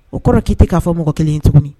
O kɔrɔ k'i k'a fɔ mɔgɔ 1 ye tuguni